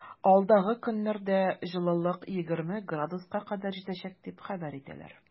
Алдагы көннәрдә җылылык 20 градуска кадәр җитәчәк дип хәбәр итәләр.